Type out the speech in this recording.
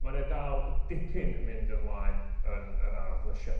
ma' 'na dal dipyn yn mynd ymlaen yn yr ardd lysie.